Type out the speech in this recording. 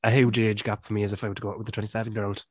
A huge age gap for me is if I were to go out with a twenty seven year old